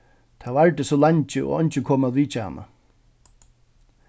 tað vardi so leingi og eingin kom at vitja hana